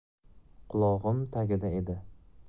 qulog'im tagida edi